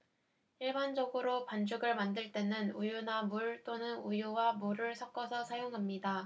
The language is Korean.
일반적으로 반죽을 만들 때는 우유나 물 또는 우유와 물을 섞어서 사용합니다